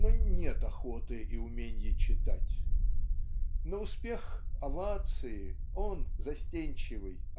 но "нет охоты и уменья читать" на успех овации он застенчивый